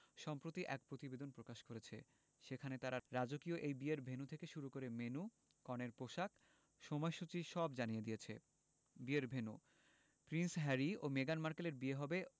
সম্প্রতি এক প্রতিবেদন প্রকাশ করেছে সেখানে তারা রাজকীয় এই বিয়ের ভেন্যু থেকে শুরু করে মেন্যু কনের পোশাক সময়সূচী সব জানিয়ে দিয়েছে বিয়ের ভেন্যু প্রিন্স হ্যারি ও মেগান মার্কেলের বিয়ে হবে